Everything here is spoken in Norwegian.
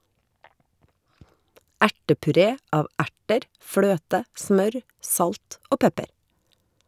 Ertepuré av erter, fløte, smør, salt og pepper.